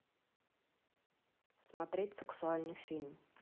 смотреть сексуальный фильм